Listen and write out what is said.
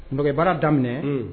ye baara daminɛ, un